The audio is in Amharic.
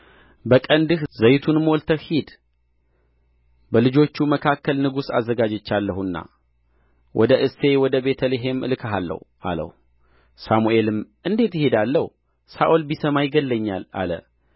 በቀንድህ ዘይቱን ሞልተህ ሂድ በልጆቹ መካከል ንጉሥ አዘጋጅቻለሁና ወደ እሴይ ወደ ቤተ ልሔም እልክሃለሁ አለው ሳሙኤልም እንዴት እሄዳለሁ ሳኦል ቢሰማ ይገድለኛል አለ